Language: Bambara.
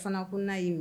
O fana ko n' y'i mɛn